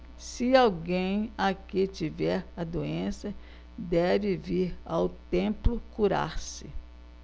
se alguém aqui tiver a doença deve vir ao templo curar-se